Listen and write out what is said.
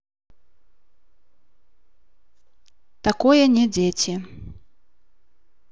такое не дети